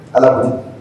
Ala ko